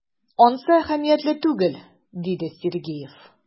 Ансы әһәмиятле түгел,— диде Сергеев.